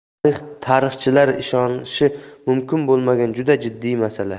tarix tarixchilar ishonishi mumkin bo'lmagan juda jiddiy masala